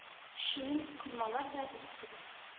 Чуен коймалар да үз кебек